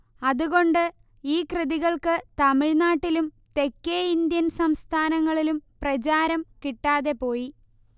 അതുകൊണ്ട് ഈ കൃതികൾക്ക് തമിഴ്നാട്ടിലും തെക്കേ ഇന്ത്യൻ സംസ്ഥാനങ്ങളിലും പ്രചാരം കിട്ടാതെപോയി